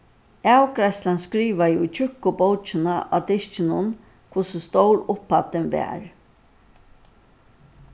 avgreiðslan skrivaði í tjúkku bókina á diskinum hvussu stór upphæddin var